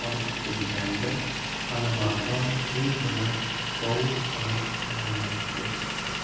olib kelganda alimardon u bilan sovuqqina salomlashdi